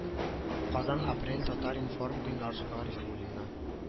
Казан апрель татар-информ гөлнар гарифуллина